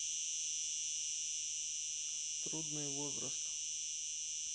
трудный возраст